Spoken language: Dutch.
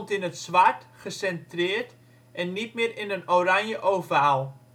in het zwart, gecentreerd en niet meer in een oranje ovaal